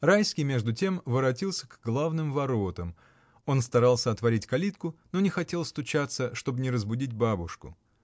Райский между тем воротился к главным воротам: он старался отворить калитку, но не хотел стучаться, чтоб не разбудить бабушку.